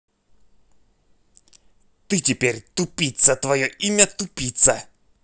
ты теперь тупица твое имя тупица